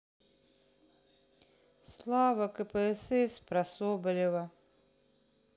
слава кпсс про соболева